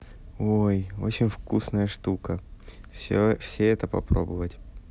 ой очень вкусная штука все это попробовать